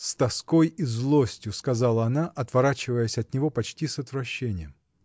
— с тоской и злостью сказала она, отворачиваясь от него почти с отвращением.